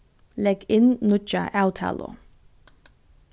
legg inn nýggja avtalu